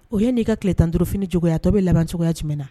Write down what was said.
O ye n'i ka ki tile tanturuf juguyayatɔ bɛ laban cogoyaya tɛm na